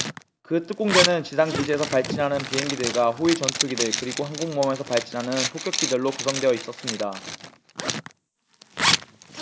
그 특공대는 지상 기지에서 발진하는 비행기들과 호위 전투기들 그리고 항공모함에서 발진하는 폭격기들로 구성되어 있었습니다